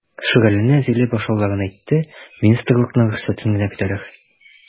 "шүрәле"не әзерли башлауларын әйтте, министрлыкның рөхсәтен генә көтәләр.